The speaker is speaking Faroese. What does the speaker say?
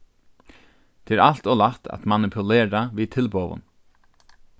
tað er alt ov lætt at manipulera við tilboðum